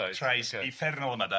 trais uffernol yma de.